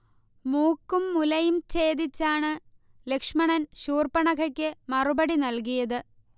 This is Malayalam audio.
മൂക്കും മുലയും ച്ഛേദിച്ചാണ് ലക്ഷ്മണൻ ശൂർപണഖയ്ക്ക് മറുപടി നൽകിയത്